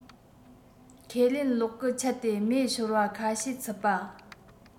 ཁས ལེན གློག སྐུད ཆད དེ མེ ཤོར བ ཁ ཤས ཚུད པ